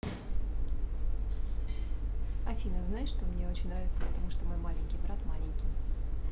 афина знаешь что мне очень нравится потому что мой маленький брат маленький